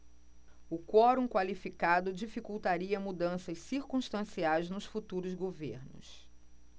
o quorum qualificado dificultaria mudanças circunstanciais nos futuros governos